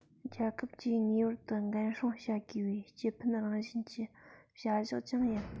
རྒྱལ ཁབ ཀྱིས ངེས པར དུ འགན སྲུང བྱ དགོས པའི སྤྱི ཕན རང བཞིན གྱི བྱ གཞག ཀྱང ཡིན